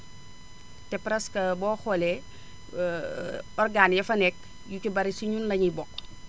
te presque boo xoolee organes ya fa nekk yu ci bari si ñun lañuy bokk